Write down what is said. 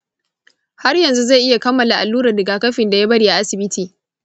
har yanzu zai iya kammala alluran rigakafin da ya bari a asibiti.